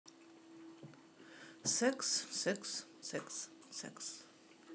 секс секс секс секс